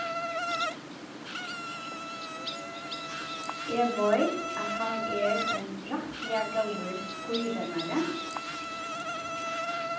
eg veit at hann er ein rættiliga góður skíðrennari